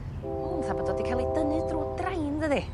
Ma' 'wn 'ca bod o 'di ca' 'i dynnu drw drain ddydi?